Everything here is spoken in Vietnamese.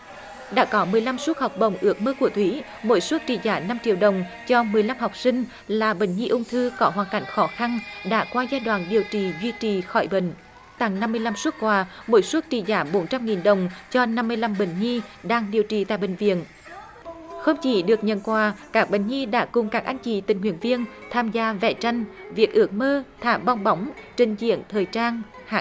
đã có mười lăm suất học bổng ước mơ của thúy mỗi suất trị giá năm triệu đồng cho mười lăm học sinh là bệnh nhi ung thư có hoàn cảnh khó khăn đã qua giai đoạn điều trị duy trì khỏi bệnh tặng năm mươi lăm suất quà mỗi suất trị giá bốn trăm nghìn đồng cho năm mươi lăm bệnh nhi đang điều trị tại bệnh viện khớp chỉ được nhận quà các bệnh nhi đã cùng các anh chị tình nguyện viên tham gia vẽ tranh viết ước mơ thả bong bóng trình diễn thời trang hát